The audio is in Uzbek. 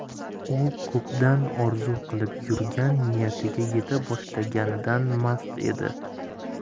u ko'pdan orzu qilib yurgan niyatiga yeta boshlaganidan mast edi